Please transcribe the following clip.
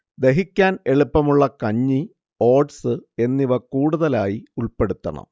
ദഹിക്കാൻ എളുപ്പമുള്ള കഞ്ഞി, ഓട്സ് എന്നിവ കൂടുതലായി ഉൾപ്പെടുത്തണം